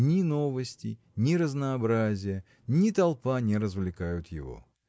ни новости, ни разнообразие, ни толпа не развлекают его.